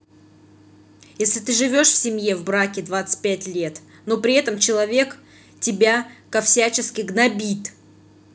если ты живешь в семье в браке двадцать пять лет но при этом человек тебя ко всячески гнобит